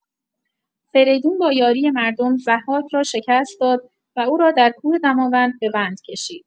فریدون با یاری مردم، ضحاک را شکست داد و او را در کوه دماوند به بند کشید.